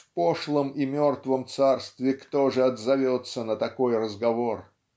В пошлом и мертвом царстве кто же отзовется на такой разговор?